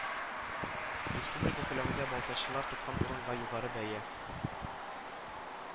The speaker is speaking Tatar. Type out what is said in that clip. Республика күләмендә балтачлылар тоткан урынга югары бәя